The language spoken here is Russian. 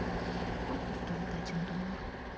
сколько стоит один доллар